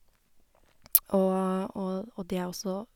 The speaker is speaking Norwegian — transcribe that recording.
og og Og det er også...